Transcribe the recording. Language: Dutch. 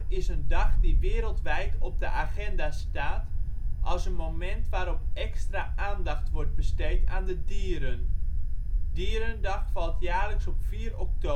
is een dag die wereldwijd op de agenda staat als een moment waarop extra aandacht wordt besteed aan de dieren. Dierendag valt jaarlijks op 4